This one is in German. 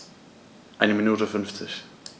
Eine Minute 50